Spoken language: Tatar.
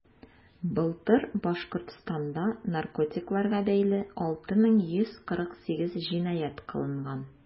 Былтыр Башкортстанда наркотикларга бәйле 6148 җинаять кылынган.